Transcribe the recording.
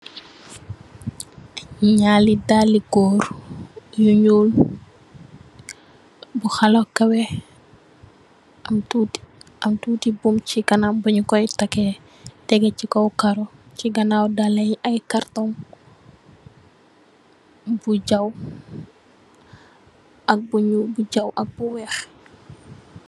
Njaari daali gorre yu njull, buu halah kaweh, am tuti am tuti buum chi kanam bungh koi tarkeh, tehgeh chi kaw kaaroh, chi ganaw daalah yii aiiy karton bu jaw, ak bu njull, bu jaw ak bu wekh.